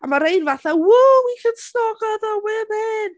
A ma' rhein fatha, whoo, we can snog other women!